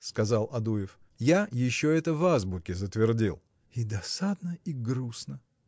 – сказал Адуев, – я еще это в азбуке затвердил. – И досадно и грустно!